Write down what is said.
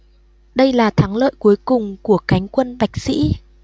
đây là thắng lợi cuối cùng của cánh quân bạch xĩ